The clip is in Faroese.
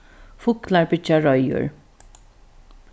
fuglar byggja reiður